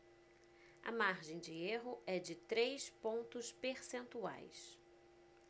a margem de erro é de três pontos percentuais